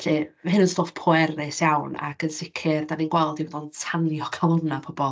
Felly, mae hyn yn stwff pwerus iawn, ac yn sicr dan ni'n gweld ein bod yn tanio calonnau pobl.